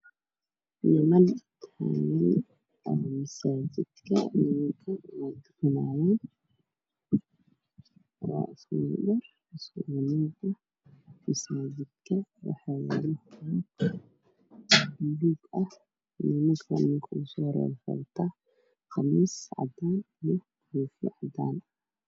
Waa niman masaajid kutukanaayo, masaajidka waxaa yaalo roog buluug ah . Ninka ugu soo horeeyo waxuu wataa qamiis cadaan ah iyo koofi cadaan ah.